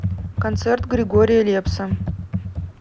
концерт григория лепса